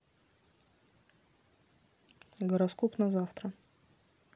гороскоп на завтра